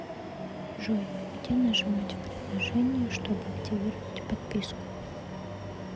джой где нажимать в приложение чтобы активировать подписку